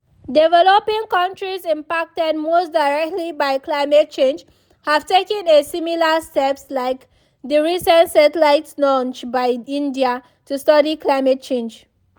Developing countries impacted most directly by climate change, have taken a similar steps like the recent satellites launch by India to study climate change.